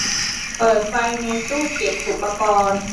เปิดไฟในตู้เก็บอุปกรณ์